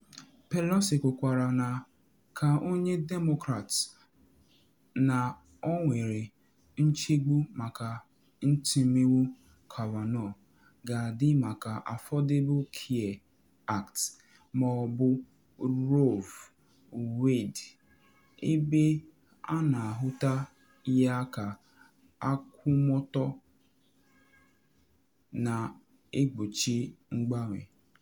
Pelosi kwukwara na ka onye Demokrat na ọ nwere nchegbu maka ntimiwu Kavanaugh ga-adị maka Affordable Care Act ma ọ bụ Roe v. Wade, ebe a na ahụta ya ka akwụmụtọ na egbochi mgbanwe.